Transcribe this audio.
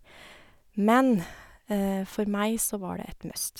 Men for meg så var det et must.